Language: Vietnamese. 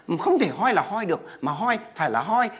không thể hoi là hoi được mà hoi phải là hoi